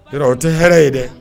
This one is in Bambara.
O tɛ hɛrɛ ye dɛ